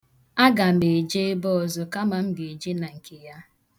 A ga m eje ebe ọzọ kama m ga-eje na nke ya.